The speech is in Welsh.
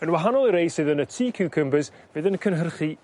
Yn wahanol i'r rei sydd yn y tŷ ciwcymbyrs fydd yn y cynhyrchu